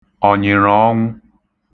ọ̀nyị̀rọ̀ọnwụ